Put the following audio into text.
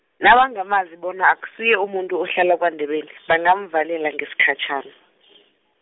nabangamazi bona akusuye umuntu ohlala kwaNdebele, bangamvalela ngesikhatjhana.